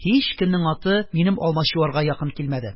Һичкемнең аты минем алмачуарга якын килмәде